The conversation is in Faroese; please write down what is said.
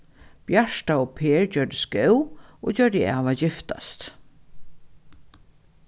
bjarta og per gjørdust góð og gjørdu av at giftast